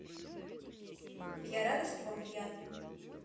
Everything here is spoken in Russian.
я рада что вам приятно